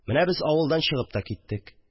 Менә без авылдан чыгып та киттек